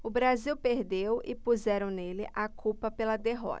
o brasil perdeu e puseram nele a culpa pela derrota